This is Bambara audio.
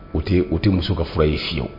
O tɛ o tɛ muso ka fura ye fiyewu